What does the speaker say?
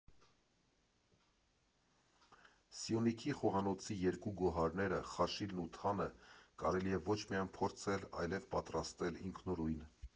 Սյունիքի խոհանոցի երկու գոհարները՝ խաշիլն ու թանը, կարելի է ոչ միայն փորձել, այլև պատրաստել ինքնուրույն։